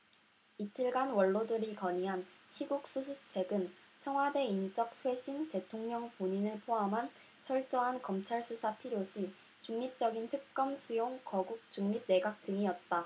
이틀간 원로들이 건의한 시국수습책은 청와대 인적 쇄신 대통령 본인을 포함한 철저한 검찰 수사 필요시 중립적인 특검 수용 거국중립내각 등이었다